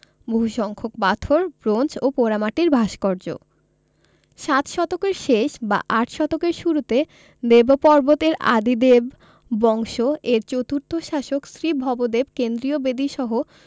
বহু সংখ্যক পাথর ব্রোঞ্জ ও পোড়ামাটির ভাস্কর্য সাত শতকের শেষ বা আট শতকের শুরুতে দেবপর্বত এর আদি দেব বংশ এর চতুর্থ শাসক শ্রী ভবদেব কেন্দ্রীয় বেদিসহ